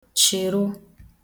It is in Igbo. chị̀rụ